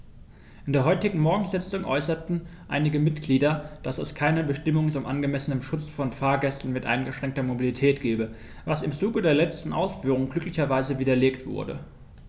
In der heutigen Morgensitzung äußerten einige Mitglieder, dass es keine Bestimmung zum angemessenen Schutz von Fahrgästen mit eingeschränkter Mobilität gebe, was im Zuge der letzten Ausführungen glücklicherweise widerlegt wurde.